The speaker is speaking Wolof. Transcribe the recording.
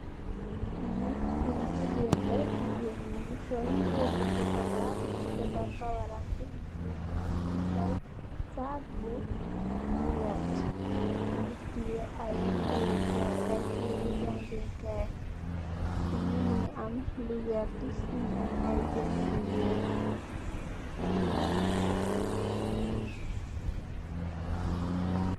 Lii, fii gigain la mungy sol mbuba bu chocolat, mungy defarr kawaram bii bu njull, mungy sol sac bu, bu vert, mungy tiyeh aiiy tehreh, aiiy tehreh jaangeh kaii, fii mungy am lu vert, mungy am aiiy bindu yu wekh.